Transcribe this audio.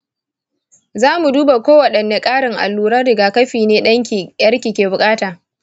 zamu duba ko wadanne karin alluran rigakafi ne ɗanki yarki ke bukata.